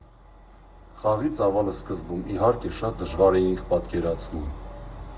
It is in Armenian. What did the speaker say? ֊ Խաղի ծավալը սկզբում, իհարկե, շատ դժվար էինք պատկերացնում։